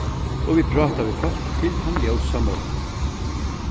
og vit práta við fólk til tann ljósa morgun